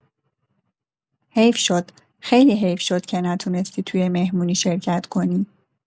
حیف شد، خیلی حیف شد که نتونستی تو مهمونی شرکت کنی.